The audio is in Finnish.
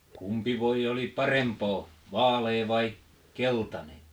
kumpi voi oli parempaa vaalea vai keltainen